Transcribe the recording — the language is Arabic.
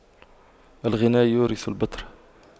الغنى يورث البطر